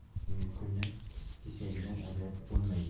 bugungi kunni kechagidan ajratib bo'lmaydi